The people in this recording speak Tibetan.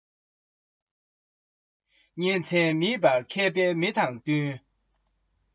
རྡོ རྗེའི བྲག ལ འགྱུར བ ཅི ལ སྲིད